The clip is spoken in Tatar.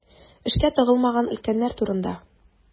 Эшкә тыгылмаган өлкәннәр турында.